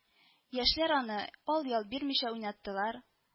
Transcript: Яшьләр аны ал-ял бирмичә уйнаттылар